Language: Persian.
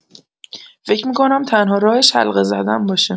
فکر می‌کنم تنها راهش حلقه زدن باشه.